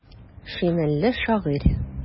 Шинельле шагыйрь.